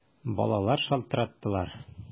Балалар шалтыраттылар!